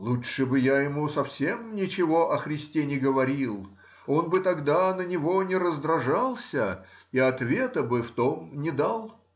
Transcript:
Лучше бы я ему совсем ничего о Христе не говорил,— он бы тогда на него не раздражался и ответа бы в том не дал.